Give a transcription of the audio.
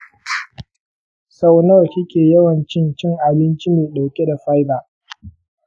sau nawa kike yawancin cin abinci mai dauke da fibre?